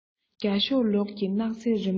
རྒྱ ཤོག ལོགས ཀྱི སྣག ཚའི རི མོ འདི